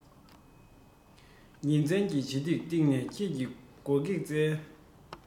ཉིན མཚན གྱི དབྱེ ཐིག སྟེང ནས ཁྱེད ཀྱི འཇོ སྒེག གསལ